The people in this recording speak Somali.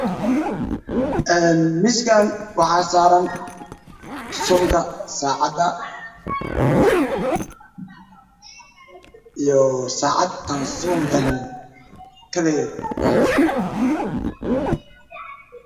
Een miskan waxaa saran suunka sacada iyoo sacad aan suun lahen kaliged ah